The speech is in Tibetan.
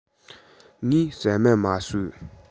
ངས ཟ མ མ ཟོས